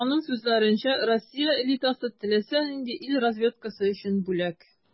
Аның сүзләренчә, Россия элитасы - теләсә нинди ил разведкасы өчен бүләк.